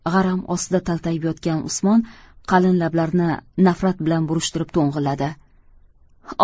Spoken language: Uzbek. g'aram ostida taltayib yotgan usmon qalin lablarini nafrat bilan burishtirib to'ng'illadi